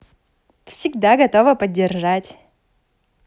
всегда готова поддержать